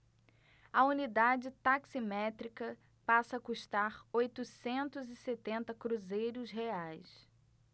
a unidade taximétrica passa a custar oitocentos e setenta cruzeiros reais